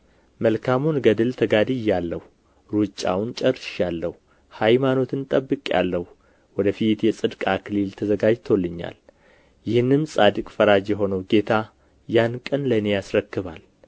መልካሙን ገድል ተጋድዬአለሁ ሩጫውን ጨርሼአለሁ ሃይማኖትን ጠብቄአለሁ ወደ ፊት የጽድቅ አክሊል ተዘጋጅቶልኛል ይህንም ጻድቅ ፈራጅ የሆነው ጌታ ያን ቀን ለእኔ ያስረክባል